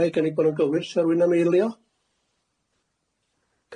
Gyniga'i fo' nhw'n gywir. 'S'na rywun am eilio?